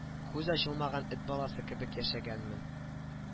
Күзе ачылмаган эт баласы кебек яшәгәнмен